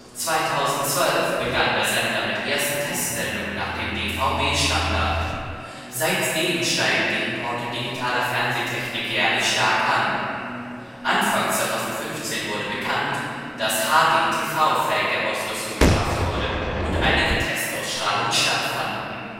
2012 begann der Sender mit ersten Testsendungen nach dem DVB-Standard. Seitdem steigen die Importe digitaler Fernsehtechnik jährlich stark an. Anfang 2015 wurde bekannt, dass HDTV-fähige Ausrüstung beschafft wurde und einige Testaustrahlungen stattfanden